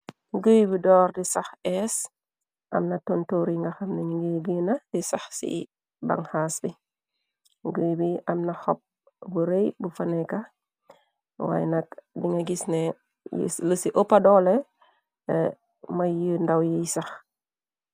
Guy bi door di sax ees amna tontor yi nga xamnañu ngi gina di sax ci baŋxaas bi guy bi am na xob bu rëy bu faneka waay nak di nga gisne lu ci oppa doole mëy yi ndaw yiy sax.